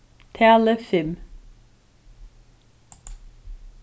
talið fimm